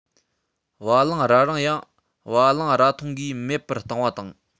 བ གླང རྭ རིང ཡང བ གླང རྭ ཐུང གིས མེད པར བཏང བ དང